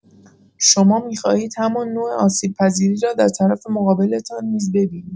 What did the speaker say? شما می‌خواهید همان نوع آسیب‌پذیری را در طرف مقابلتان نیز ببینید.